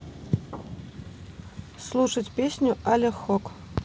слушать песню алех хокк